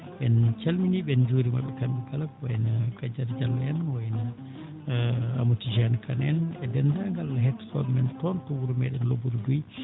en calminii ɓe en njuuriima ɓe kamɓe kala ko wayi no Kadiata Diallo en ko wayi no Amadou Tidiani Kane en e deenndaangal hettotoo ɓe men toon to wuro meeɗen Lobbudu Bouy